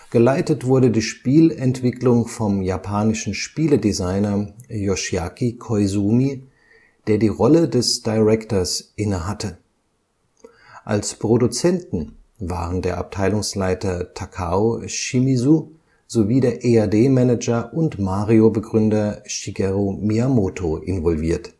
Geleitet wurde die Spielentwicklung vom japanischen Spieledesigner Yoshiaki Koizumi, der die Rolle des Directors innehatte. Als Produzenten waren der Abteilungsleiter Takao Shimizu sowie der EAD-Manager und Mario-Begründer Shigeru Miyamoto involviert